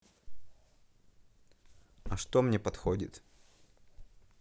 а что мне подходит